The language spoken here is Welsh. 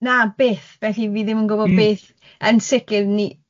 Na byth, felly fi ddim yn gwbod beth yn sicir ni